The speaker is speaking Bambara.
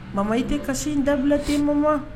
Mama i tɛ kasi dabila ten ma wa